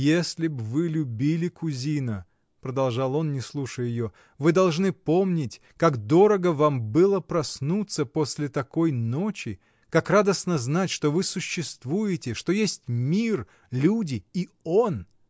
— Если б вы любили, кузина, — продолжал он, не слушая ее, — вы должны помнить, как дорого вам было проснуться после такой ночи, как радостно знать, что вы существуете, что есть мир, люди и он.